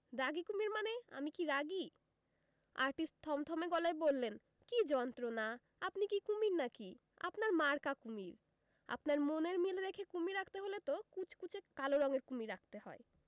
রাগী কুমীর মানে আমি কি রাগী আর্টিস্ট থমথমে গলায় বললেন কি যন্ত্রণা আপনি কি কুমীর না কি আপনার মাকা কুমীর আপনার মনের মিল রেখে কুমীর আঁকতে হলে তো কুচকুচে কালো রঙের কুমীর আঁকতে হয়